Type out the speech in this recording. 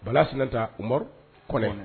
Bala sinata uɔri kɔn